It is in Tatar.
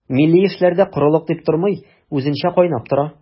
Милли эшләр дә корылык дип тормый, үзенчә кайнап тора.